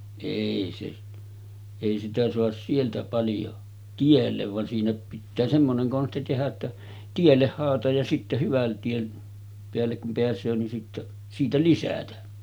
ei se ei sitä saa sieltä paljon tielle vaan siinä pitää semmoinen konsti tehdä että tielle haalataan ja sitten hyvän tien päälle kun pääsee niin sitten siitä lisätä